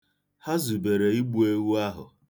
Ha zubere igbu ewu ahụ.